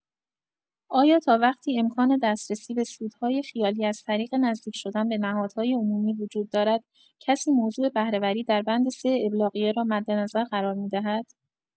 آیا تا وقتی امکان دسترسی به سودهای خیالی از طریق نزدیک‌شدن به نهادهای عمومی وجود دارد، کسی موضوع بهره‌وری دربند ۳ ابلاغیه را مد نظر قرار می‌دهد؟